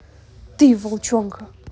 ты волчонка